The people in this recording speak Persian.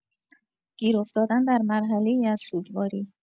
گیر افتادن در مرحله‌ای از سوگواری